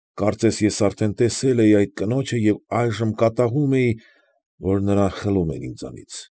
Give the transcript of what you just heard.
Կարծես ես արդեն տիրացել էի այդ կնոջը և այժմ կատաղում էի, որ նրան խլում են ինձնից։